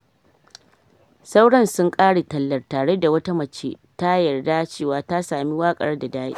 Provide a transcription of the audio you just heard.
Sauran sun kare tallar, tare da wata mace ta yarda cewa ta sami waƙar "da dadi."